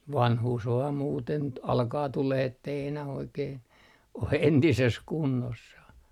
vanhuus vain muuten - alkaa tulemaan että ei enää oikein ole entisessä kunnossa